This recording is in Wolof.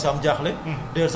doy waar